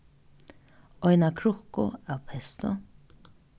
eina krukku av pesto